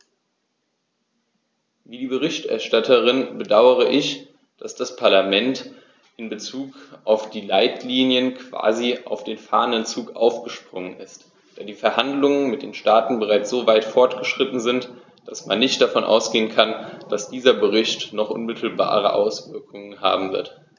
Wie die Berichterstatterin bedaure ich, dass das Parlament in bezug auf die Leitlinien quasi auf den fahrenden Zug aufgesprungen ist, da die Verhandlungen mit den Staaten bereits so weit fortgeschritten sind, dass man nicht davon ausgehen kann, dass dieser Bericht noch unmittelbare Auswirkungen haben wird.